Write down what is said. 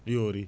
yoori